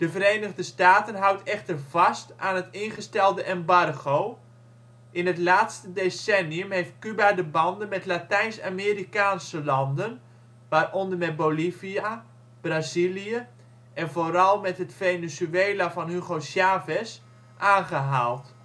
Verenigde Staten houdt echter vast aan het ingestelde embargo. In het laatste decennium heeft Cuba de banden met Latijns-Amerikaanse landen, waaronder met Bolivia, Brazilië en vooral het Venezuela van Hugo Chávez, aangehaald. Onder